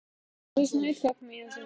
уже знает как меня зовут